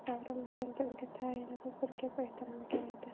davron o'shanda unga tayinli bir gap aytolmagan edi